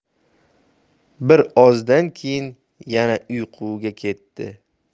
bir ozdan keyin yana uyquga ketdi